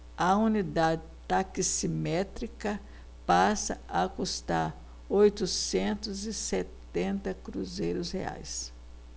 a unidade taximétrica passa a custar oitocentos e setenta cruzeiros reais